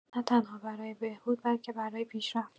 نه‌تنها برای بهبود، بلکه برای پیشرفت